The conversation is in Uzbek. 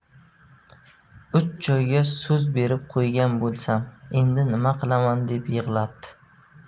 uch joyga so'z berib qo'ygan bo'lsam endi nima qilaman deb yig'labdi